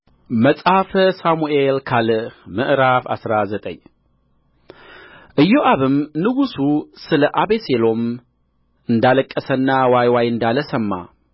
መጽሐፈ ሳሙኤል ካል ምዕራፍ አስራ ዘጠኝ ኢዮአብም ንጉሡ ስለ አቤሴሎም እንዳለቀሰና ዋይ ዋይ እንዳለ ሰማ